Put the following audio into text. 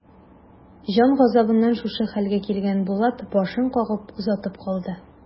Җан газабыннан шушы хәлгә килгән Булат башын кагып озатып калды.